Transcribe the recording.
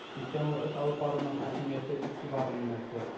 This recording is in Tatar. Системалы эш алып баруның әһәмиятенә игътибарын юнәлтте